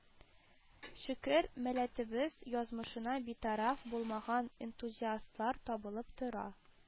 Шөкер, милләтебез язмышына битараф булмаган энтузиастлар табылып тора